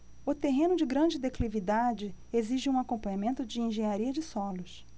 o terreno de grande declividade exige um acompanhamento de engenharia de solos